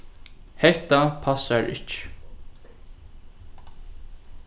hatta passar ikki